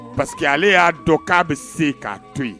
Parce que ale y'a dɔn k'a bɛ se k'a to yen